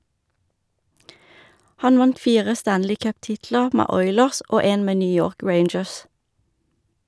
Han vant fire Stanley Cup-titler med Oilers, og en med New York Rangers.